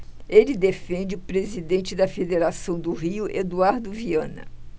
ele defende o presidente da federação do rio eduardo viana